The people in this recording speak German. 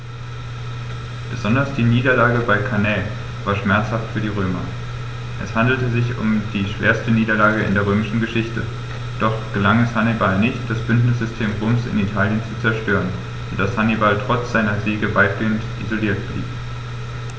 Besonders die Niederlage bei Cannae war schmerzhaft für die Römer: Es handelte sich um die schwerste Niederlage in der römischen Geschichte, doch gelang es Hannibal nicht, das Bündnissystem Roms in Italien zu zerstören, sodass Hannibal trotz seiner Siege weitgehend isoliert blieb.